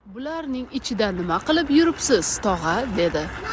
bularning ichida nima qilib yuribsiz tog'a dedi